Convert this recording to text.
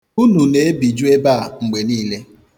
Unu na-ebiju ebe a mgbe niile.